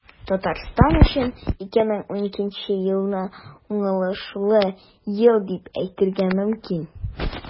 Татарстан өчен 2012 елны уңышлы ел дип әйтергә мөмкин.